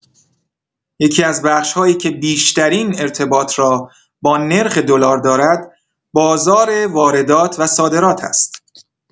یکی‌از بخش‌هایی که بیشترین ارتباط را با نرخ دلار دارد، بازار واردات و صادرات است.